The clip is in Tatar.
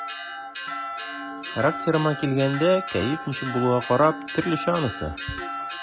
Характерыма килгәндә, кәеф ничек булуга карап, төрлечә анысы.